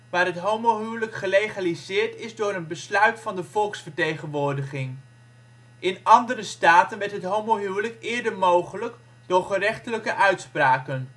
waar het homohuwelijk gelegaliseerd is door een besluit van de volksvertegenwoordiging. In andere staten werd het homohuwelijk eerder mogelijk door gerechtelijke uitspraken